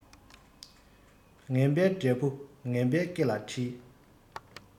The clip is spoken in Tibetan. ངན པའི འབྲས བུ ངན པའི སྐེ ལ འཁྲིལ